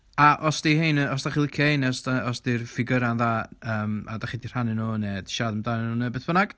A os 'di 'hein yn... os dach chi'n licio 'hein. Os na- os 'di'r ffigyrau'n dda, yym, a dach chi 'di rhannu nhw neu siarad amdanyn nhw neu beth bynnag